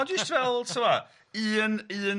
O jyst fel tibod un un